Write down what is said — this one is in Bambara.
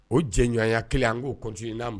O jɛɲɔaɲa 1 an ŋ'o continuer n'a mus